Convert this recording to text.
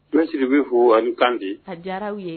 Ne siri bɛ fɔ ani kan di a diyararaw ye